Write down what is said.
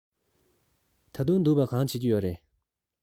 ད དུང སྡུག པ གང བྱེད ཀྱི ཡོད རས